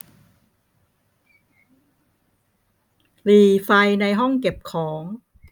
หรี่ไฟในห้องเก็บของ